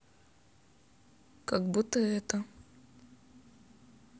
как будто это